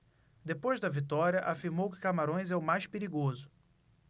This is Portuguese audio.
depois da vitória afirmou que camarões é o mais perigoso